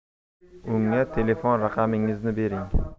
unga telefon raqamingizni bering